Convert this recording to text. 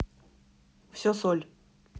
все соль